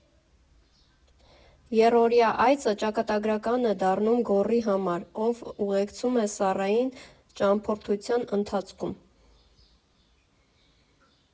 Եռօրյա այցը ճակատագրական է դառնում Գոռի համար, ով ուղեկցում է Սառային ճանապարհորդության ընթացքում.